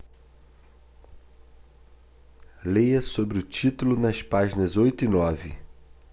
leia sobre o título nas páginas oito e nove